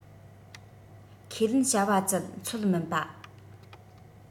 ཁས ལེན བྱ བ བཙལ འཚོལ མིན པ